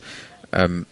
Yym.